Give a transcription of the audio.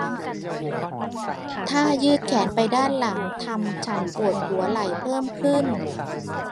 ท่ายืดแขนไปด้านหลังทำฉันปวดหัวไหล่เพิ่มขึ้น